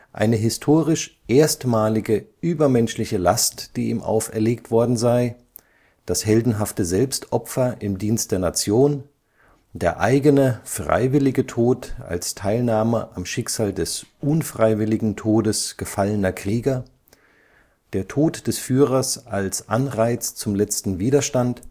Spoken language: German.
eine historisch erstmalige, übermenschliche Last, die ihm auferlegt worden sei, das heldenhafte Selbstopfer im Dienst der Nation, der eigene (freiwillige) Tod als Teilnahme am Schicksal des (unfreiwilligen) Todes gefallener Krieger, der Tod des Führers als Anreiz zum letzten Widerstand